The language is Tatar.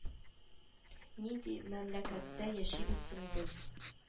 Нинди мәмләкәттә яшибез соң без